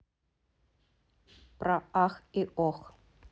про ах и ох